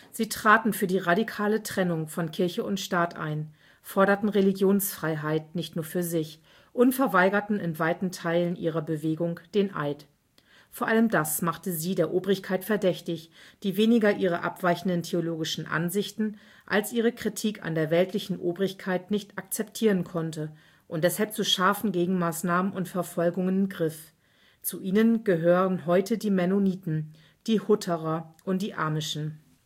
Sie traten für die radikale Trennung von Kirche und Staat ein, forderten Religionsfreiheit nicht nur für sich und verweigerten in weiten Teilen ihrer Bewegung den Eid. Vor allem das machte sie der Obrigkeit verdächtig, die weniger ihre abweichenden theologischen Ansichten als ihre Kritik an der weltlichen Obrigkeit nicht akzeptieren konnte und deshalb zu scharfen Gegenmaßnahmen und Verfolgungen griff. Zu ihnen gehören heute die Mennoniten, die Hutterer und die Amischen